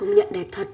công nhận đẹp thật